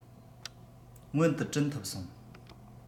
མངོན དུ བྲིན ཐུབ སོང